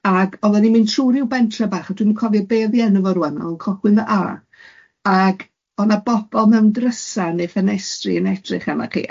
Ac oeddan ni'n mynd trw ryw bentre bach, a dwi'm yn cofio be oedd hi yno fo rŵan, oedd o'n cochwyn fo a, ac oedd yna bobl mewn drysa neu ffenestri yn edrych arnoch chi,